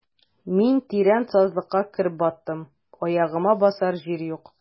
Мин тирән сазлыкка кереп баттым, аягыма басар җир юк.